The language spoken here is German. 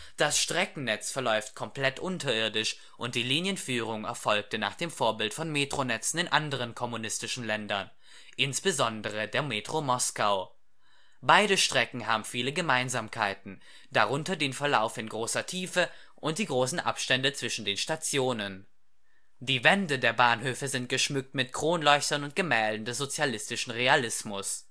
Das Streckennetz verläuft komplett unterirdisch und die Linienführung erfolgte nach dem Vorbild von Metronetzen in anderen kommunistischen Ländern, insbesondere der Metro Moskau. Beide Strecken haben viele Gemeinsamkeiten, darunter den Verlauf in großer Tiefe und die großen Abstände zwischen den Stationen. Die Wände der Bahnhöfe sind geschmückt mit Kronleuchtern und Gemälden des Sozialistischen Realismus